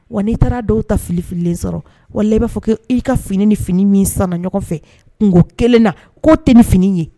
Wa n'i taara dɔw ta filifilen sɔrɔ wala i b'a fɔ kɛ i ka fini ni fini min san ɲɔgɔn fɛ kungo kelen na k'o tɛ ni fini ye